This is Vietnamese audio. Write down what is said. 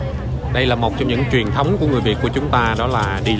đây là một trong những truyền thống của người việt của chúng ta đó là đi lễ